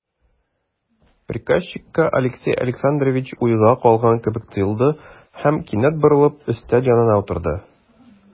Приказчикка Алексей Александрович уйга калган кебек тоелды һәм, кинәт борылып, өстәл янына утырды.